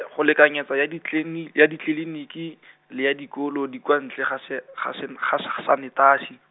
go lekanyetsa ya ditlilini- ya ditliniki , le ya dikolo di kwa ntle ga se-, ga sen-, ga s- ga sanetasi.